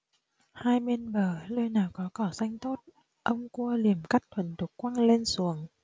hai bên bờ nơi nào có cỏ xanh tốt ông quơ liềm cắt thuần thục quăng lên xuồng